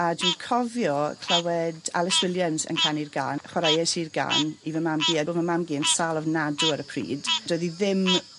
a dww'n cofio clywed Alys Williams yn canu'r gân, chwaraeais i'r gân i fy mam-gu ag odd 'yn mam-gu yn sâl ofnadw ar y pryd. Doedd 'i ddim